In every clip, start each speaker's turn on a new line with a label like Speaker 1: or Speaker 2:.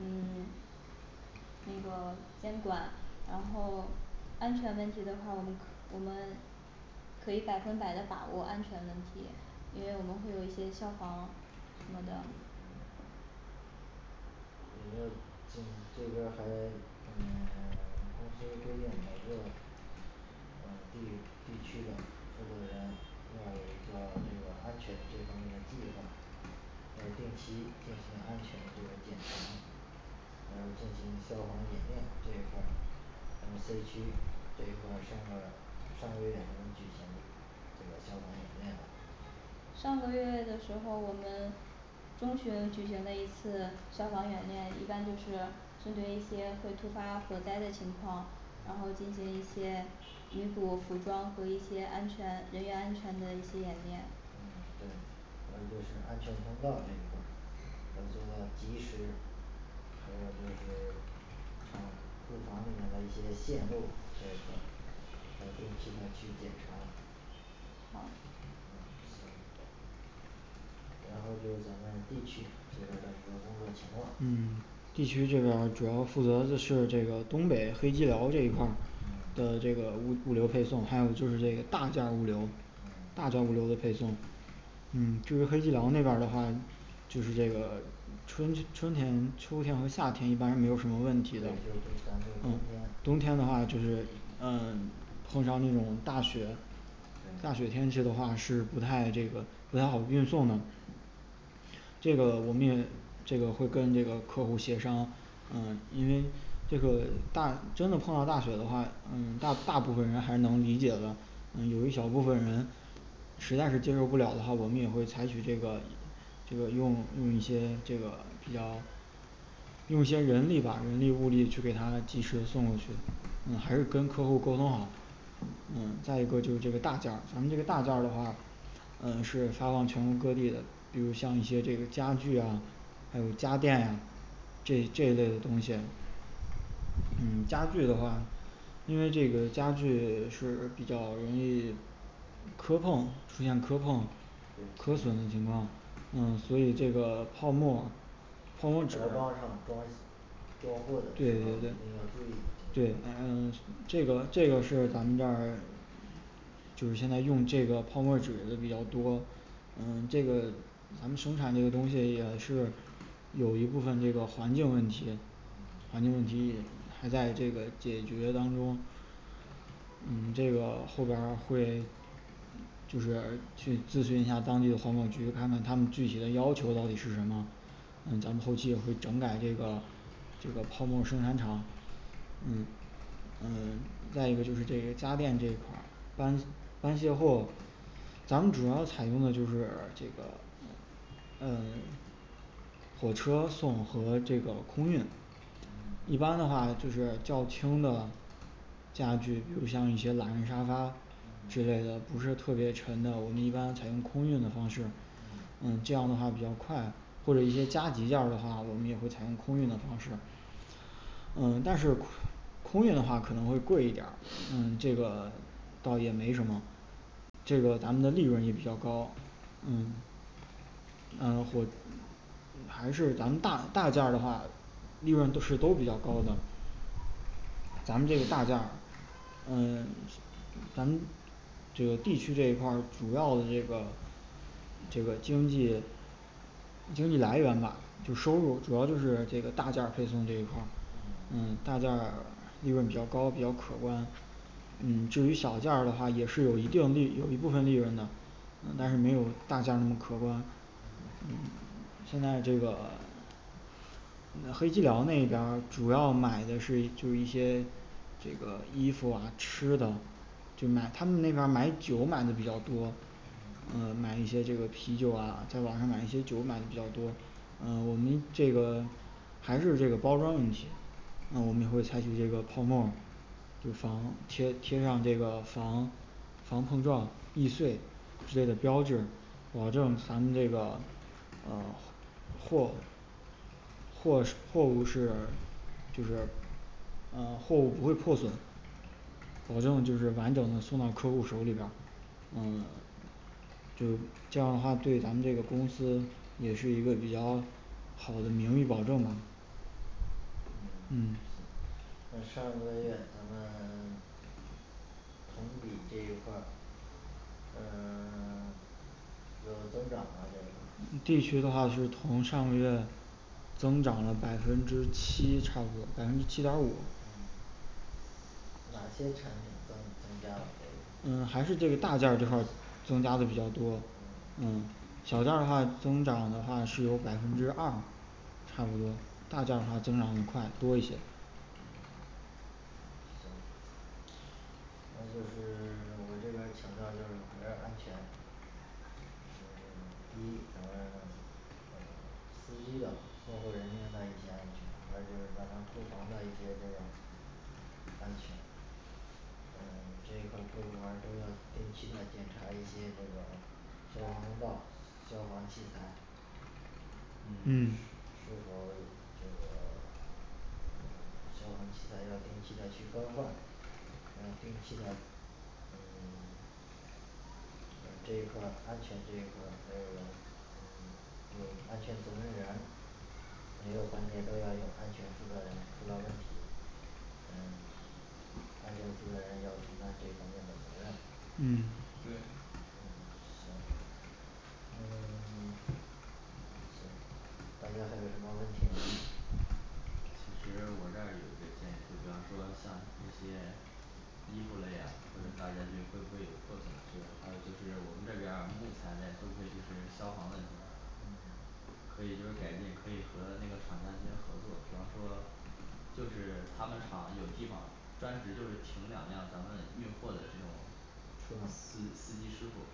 Speaker 1: 嗯那个监管然后安全问题的话我们可我们可以百分百的把握安全问题因为我们会有一些消防什么的
Speaker 2: 这边儿还嗯 公司规定每个嗯地地区的负责人要有一个这个安全这方面的计划要定期进行安全这个检查还要进行消防演练这一块儿那么C区这一块儿他们上个月有没有举行这个消防演练呢
Speaker 1: 上个月的时候儿我们中旬举行了一次消防演练一般就是针对一些会突发火灾的情况然后进行一
Speaker 2: 嗯
Speaker 1: 些衣服服装和一些安全人员安全的一些演练
Speaker 2: 嗯对还有就是安全通道这一块儿要做到及时还有就是那个库房什么的一些线路这一块儿还得经常去检查
Speaker 1: 好
Speaker 2: 嗯行然后就是咱们D区这边儿的一个工作情况
Speaker 3: 嗯 D区这边儿主要负责的是这个东北黑吉辽这一块儿
Speaker 2: 嗯
Speaker 3: 的这个物物流配送还有就是这大件儿物流
Speaker 2: 嗯
Speaker 3: 大件儿物流的配送嗯就是跟我们那边儿的话就是这个春春天秋天和夏天一般是没有什么
Speaker 2: 对就是说咱这
Speaker 3: 问题的
Speaker 2: 个冬天
Speaker 3: 冬天的话就是嗯 通常那种大雪大雪天
Speaker 2: 对
Speaker 3: 气的话是不太这个不太好运送的这个我们也这个会跟这个客户协商嗯因为这个大真的碰到大雪的话嗯那大部分人还是能理解的嗯有一小部分人实在是接受不了的话我们也会采取这个这个用用一些这个比较用一些人力吧人力物力去给他及时的送过去嗯还是跟客户沟通好嗯再一个就是这个大件儿咱们这个大件儿的话嗯是发往全国各地的比如像一些这个家具啊还有家电这这一类的东西嗯家
Speaker 2: 嗯
Speaker 3: 具的话因为这个家具是比较容易磕碰出现磕碰磕损的情况嗯所以这个泡沫儿
Speaker 2: 包装上装装货的时候
Speaker 3: 对对
Speaker 2: 儿一
Speaker 3: 对
Speaker 2: 定要注
Speaker 3: 对
Speaker 2: 意
Speaker 3: 嗯这个这个是咱们这儿这个现在用这个泡沫儿纸的比较多嗯这个咱们生产这个东西也是有有一部分这个环境问题
Speaker 2: 嗯
Speaker 3: 环境问题还在这个解决当中嗯这个后边儿会就是去咨询一下当地的环保局看看他们具体的要求到底是什么我们后期会整改这个这个泡沫儿生产厂嗯呃再一个就是对于家电这一块儿搬搬卸货咱们主要采用的就是这个呃 火车送和这个空运
Speaker 2: 嗯
Speaker 3: 一般的话呢这个较轻的这样去遇上一些懒人沙发之类
Speaker 2: 嗯
Speaker 3: 的不是特别沉的我们一般采用空运的方式
Speaker 2: 嗯
Speaker 3: 嗯这样的话比较快或者一些加急件儿的话我们也会采用空运的方式嗯但是空运的话可能会贵一点儿嗯这个倒也没什么这个咱们的利润也比较高嗯嗯对还是咱们大大件儿的话利润都是都比较高的咱们都是大件儿嗯咱们这个D区这一块儿主要的这个这个经济经济来源吧就收入主要就是这个大件儿配送这一块儿
Speaker 2: 嗯
Speaker 3: 嗯大件儿利润比较高比较可观嗯至于小件儿的话也是一定利有一部分利润的但是没有大件儿那么可观现在这个嗯黑吉辽那一边儿主要买的是就一些这个衣服啊吃的就买他们那边儿买酒买的比较多
Speaker 2: 嗯
Speaker 3: 嗯买一些这个啤酒啊在网上买一些酒买的比较多啊我们这个还是这个包装问题啊我们会采取一些泡沫儿会从贴贴上这个防防碰撞易碎一这个标志保证咱这个嗯货货是货物是这个嗯货物不会破损保证就是完整的送到客户手里边儿嗯这这样的话对咱们这个公司也是一个比较好的盈利保证嗯
Speaker 2: 嗯行那上个月咱们 同比这一块儿嗯 有增长吗这一块儿
Speaker 3: D区的话是同上个月增长了百分之七差不多百分之七点儿五
Speaker 2: 嗯哪些产品增增加了这个
Speaker 3: 嗯还是这个大件儿这块儿增加的比较多嗯
Speaker 2: 嗯嗯
Speaker 3: 小件儿的话增长的话是有百分之二差不多大件儿的话增长的快多一些
Speaker 2: 行还有就是 我这边儿强调就是你们这儿安全嗯第一咱们嗯司机的送货人员的一些安全还有就是咱们库房的一些这个安全这一块儿各部门儿都要定期的检查一些这个消防通道消防器材
Speaker 4: 嗯
Speaker 5: 嗯
Speaker 2: 这个嗯消防器材要定期的去更换要定期的嗯 嗯这一块儿安全这一块儿还有咱嗯还有安全责任人每个环节都要有安全负责人安全出了问题嗯安全负责人要承担这一方面的责任
Speaker 3: 嗯
Speaker 4: 对
Speaker 2: 嗯行嗯 行大家还有什么问题要问
Speaker 4: 其实我这儿有一个建议就比方说像那些衣服类啊或者大家觉会不会有破损是的还有就是我们这边儿木材类会不会就是消防问题
Speaker 2: 嗯
Speaker 4: 可以就是改进可以和那个厂家进行合作比方说就是他们厂有地方专职就是停两辆咱们运货的这种
Speaker 2: 车嗯
Speaker 4: 司司机师傅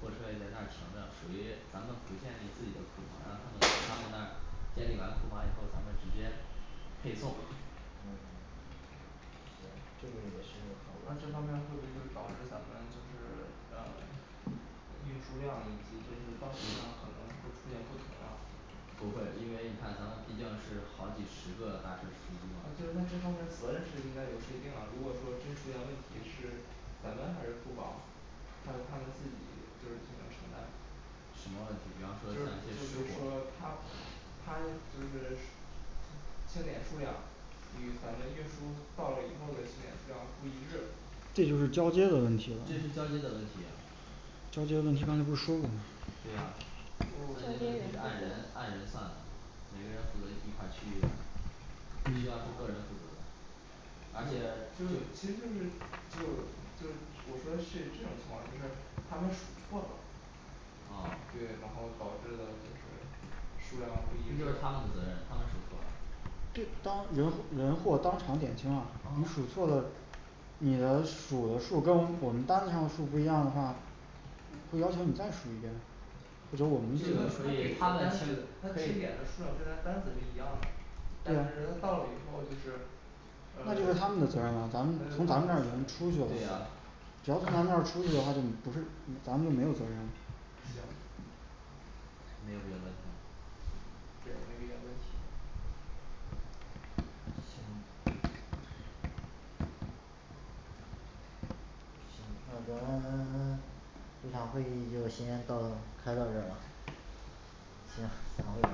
Speaker 4: 货车也在那儿停着属于咱们不建立自己的库房让他们从他们那儿建立完库房以后咱们直接配送
Speaker 2: 嗯行这个也是
Speaker 5: 那这方面儿会不会就是导致咱们就是呃运输量以及就是到手量可能会出现不同啊
Speaker 4: 不会因为你看咱们毕竟是好几十个大车司机嘛
Speaker 5: 这那这方面儿责任是应该由谁定啊如果说真出现问题是咱们还是库房还是他们自己就是进行承担
Speaker 4: 什么问题比方说
Speaker 5: 就
Speaker 4: 像一
Speaker 5: 就
Speaker 4: 些失
Speaker 5: 是
Speaker 4: 火
Speaker 5: 说他他就是清清点数量与咱们运输到了以后的清点数量不一致
Speaker 3: 这就是交接的问题了
Speaker 4: 这是交接的问题啊
Speaker 3: 交接问题刚才不是说过吗
Speaker 4: 对呀交接问题是按人按人算的每个人负责一块儿区域的不需要是个人负责的而且
Speaker 5: 就
Speaker 4: 就
Speaker 5: 其实就是就就是我说是这种情况就是他们数错了
Speaker 4: 啊
Speaker 5: 对然后导致的就是数量不一
Speaker 4: 那
Speaker 5: 致
Speaker 4: 就是他们的责任他们数错了
Speaker 3: 这当人人货当场点清了你数
Speaker 4: 啊
Speaker 3: 错了你的数的数跟我们单子上的数不一样的话可以要求你再数一遍
Speaker 5: 或者我们
Speaker 4: 这个可以他
Speaker 3: 单
Speaker 4: 们清
Speaker 3: 子他
Speaker 4: 可
Speaker 3: 清
Speaker 4: 以
Speaker 3: 点的数量跟咱单子是一样的但是到了以后就是那就是
Speaker 5: 呃
Speaker 3: 他们的责任咱们的从咱们那儿已经出去了
Speaker 4: 对呀
Speaker 3: 只要他们那儿出去的话就不是咱们就没有责任是这样
Speaker 4: 没有别的问题了
Speaker 5: 这儿也没别的问题
Speaker 2: 行行那咱 这场会议就先到开到这儿吧行散会吧